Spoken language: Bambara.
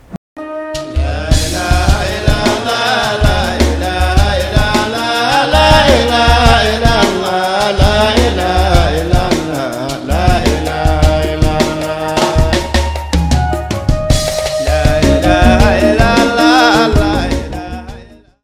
Lalalalala labanla